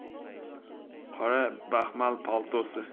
qora baxmal paltosi